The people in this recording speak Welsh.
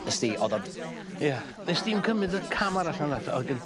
ysti o'dd o'n... Ia nest di'm cymryd y cam arall naddo odd gin